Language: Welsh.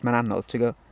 Mae'n anodd ti'n gwbod?